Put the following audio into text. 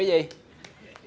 gì